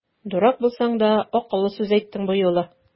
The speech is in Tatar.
Дурак булсаң да, акыллы сүз әйттең бу юлы!